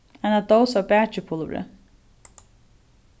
eina dós av bakipulvuri